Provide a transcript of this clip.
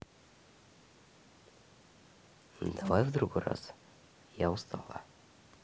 давай в другой раз я устала